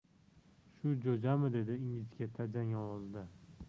shu jo'jami dedi ingichka tajang ovozda